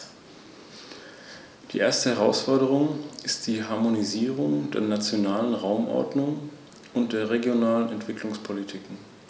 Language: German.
Sie wird dabei von einem Expertenausschuß für Gefahrguttransporte nach dem Regelungsverfahren unterstützt.